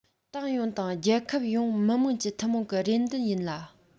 ཏང ཡོངས དང རྒྱལ ཁབ ཡོངས མི དམངས ཀྱི ཐུན མོང གི རེ འདུན ཡིན ལ